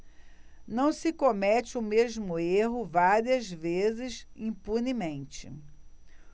não se comete o mesmo erro várias vezes impunemente